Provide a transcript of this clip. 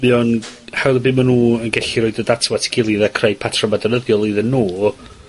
mae o'n hel be' ma' nw yn gellu roid y data at 'i gilydd a creu patryma defnyddiol iddyn nw,